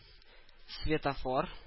Светофор